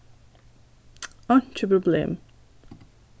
einki problem